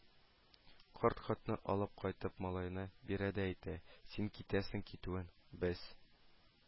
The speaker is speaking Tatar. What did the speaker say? Карт, хатны алып кайтып, малаена бирә дә әйтә: «Син китәсең китүен, без